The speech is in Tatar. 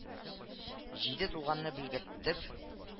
Җиде тулганны белгерттеп